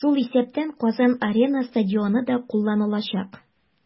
Шул исәптән "Казан-Арена" стадионы да кулланылачак.